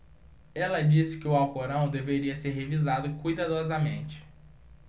ela disse que o alcorão deveria ser revisado cuidadosamente